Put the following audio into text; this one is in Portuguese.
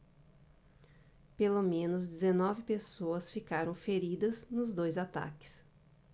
pelo menos dezenove pessoas ficaram feridas nos dois ataques